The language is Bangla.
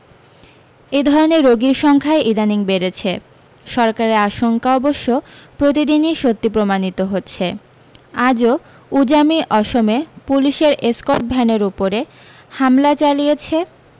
এধরনের রোগীর সংখ্যাই ইদানীং বেড়েছে সরকারের আশঙ্কা অবশ্য প্রতিদিনি সত্যি প্রমাণিত হচ্ছে আজও উজামি অসমে পুলিশের এসকর্ট ভ্যানের উপরে হামলা চালিয়েছে